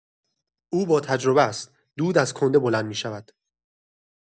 او با تجربه است، دود از کنده بلند می‌شود.